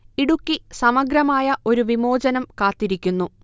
ഇടുക്കി സമഗ്രമായ ഒരു വിമോചനം കാത്തിരിക്കുന്നു